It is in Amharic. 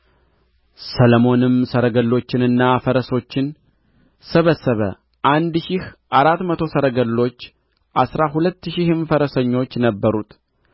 ሰሎሞንም ሰረገሎችንና ፈረሰኞችን ሰበሰበ አንድ ሺህ አራት መቶ ሰረገሎች አሥራ ሁለት ሺህም ፈረሰኞች ነበሩት